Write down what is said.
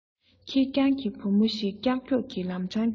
ཁེར རྐྱང གི མི བུ ཞིག ཀྱག ཀྱོག གི ལམ འཕྲང རྒྱུད ནས